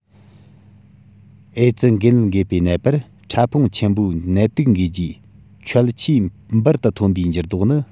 ཨེ ཙི འགོས ནད འགོས པའི ནད པར ཕྲ ཕུང ཆེན པོའི ནད དུག འགོས རྗེས ཁྱད ཆོས འབུར དུ ཐོན པའི འགྱུར ལྡོག ནི